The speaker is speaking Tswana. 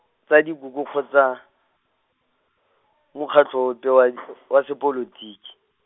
tsa diboko kgotsa, mokgatlho ope wa, w- wa sepolotiki.